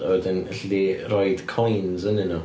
A wedyn alli di roi coins ynddyn nhw.